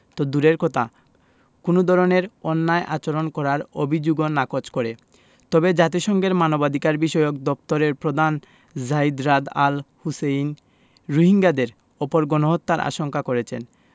তো দূরের কথা কোনো ধরনের অন্যায় আচরণ করার অভিযোগও নাকচ করে তবে জাতিসংঘের মানবাধিকারবিষয়ক দপ্তরের প্রধান যায়িদ রাদ আল হোসেইন রোহিঙ্গাদের ওপর গণহত্যার আশঙ্কা করেছেন